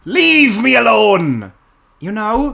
Leave me alone... you know?